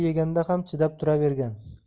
yeganda ham chidab turavergan